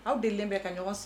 Aw delɛn bɛ ka ɲɔgɔn sɔrɔ